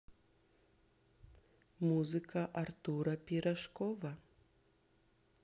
музыка артура пирожкова